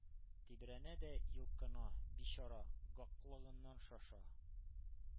Тибрәнә дә йолкына, бичара гакълыннан шаша;